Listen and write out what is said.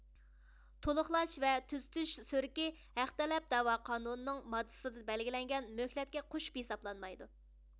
تۇلۇقلاش ۋە تۈزىتىش سۈرۈكى ھەق تەلەپ دەۋا قانۇنى نىڭ ماددىسىدا بەلگىلەنگەن مۆھلەتكە قوشۇپ ھېسابلانمايدۇ